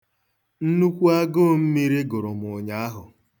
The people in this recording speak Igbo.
Nnukwu agụụ mmiri gụrụ m ụnyaahụ.